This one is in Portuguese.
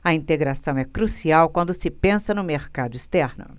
a integração é crucial quando se pensa no mercado externo